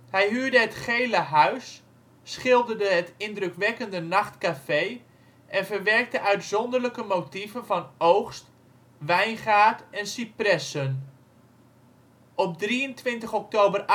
Hij huurde het " Gele huis ", schilderde het indrukwekkende " Nachtcafé " en verwerkte uitzonderlijke motieven van oogst, wijngaard en cipressen. Op 23 oktober 1888